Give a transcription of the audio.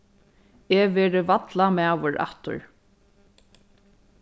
eg verði valla maður aftur